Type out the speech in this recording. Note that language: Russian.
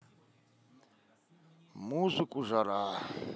музыку жара